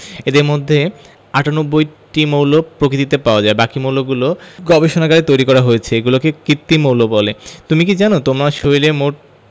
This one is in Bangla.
এগুলোর মধ্যে ৯৮টি মৌল প্রকৃতিতে পাওয়া যায় বাকি মৌলগুলো গবেষণাগারে তৈরি করা হয়েছে এগুলোকে কৃত্রিম মৌল বলে তুমি কি জানো তোমার শরীরে মোট